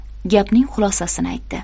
gapning xulosasini ayt di